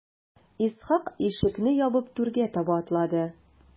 Исхак ишекне ябып түргә таба атлады.